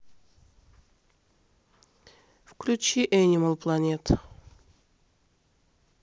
включи энимал планет